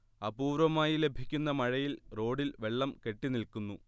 അപൂർവമായി ലഭിക്കുന്ന മഴയിൽ റോഡിൽ വെള്ളം കെട്ടിനിൽക്കുന്നു